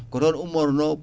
ko toon ummotono